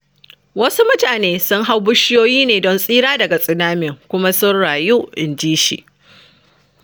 Wasu mutanen sun hau bishiyoyi ne don tsira daga tsunami kuma sun rayu, inji shi.